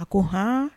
A ko hɔn